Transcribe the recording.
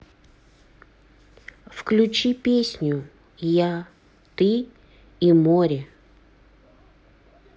включи песню я ты и море